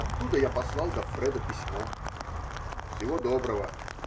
Оттуда я послал Гоффредо письмо: "Всего доброго.